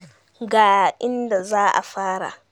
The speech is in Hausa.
Ga inda za a fara.